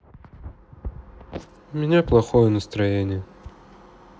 никак у меня настроение плохое